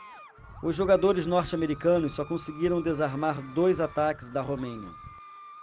os jogadores norte-americanos só conseguiram desarmar dois ataques da romênia